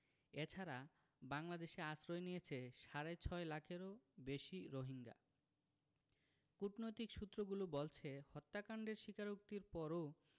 এ ছাড়া বাংলাদেশে আশ্রয় নিয়েছে সাড়ে ছয় লাখেরও বেশি রোহিঙ্গা কূটনৈতিক সূত্রগুলো বলছে হত্যাকাণ্ডের স্বীকারোক্তির পরও